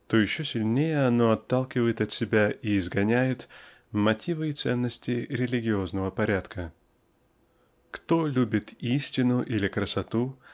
то еще сильнее оно отталкивает от себя и изгоняет мотивы и ценности религиозного порядка. Кто любит истину или красоту